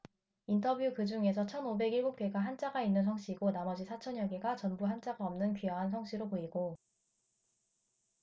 인터뷰 그중에서 천 오백 일곱 개가 한자가 있는 성씨고 나머지 사천 여 개가 전부 한자가 없는 귀화한 성씨로 보이고